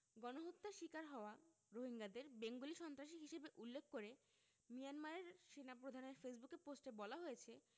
গণহত্যার শিকার হওয়া রোহিঙ্গাদের বেঙ্গলি সন্ত্রাসী হিসেবে উল্লেখ করে মিয়ানমারের সেনাপ্রধানের ফেসবুকে পোস্টে বলা হয়েছে